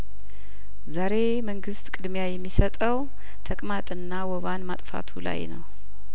ዛሬ መንግስት ቅድሚያ የሚሰጠው ተቅማጥና ወባን ማጥፋቱ ላይ ነው